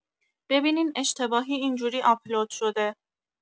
ببینین اشتباهی اینجوری آپلود شده